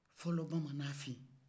fɔlɔ bamanan fɛ yen